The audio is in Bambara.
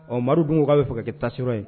Ɔ amadu dun ko k'a bɛ fɛ ka kɛ taasi ye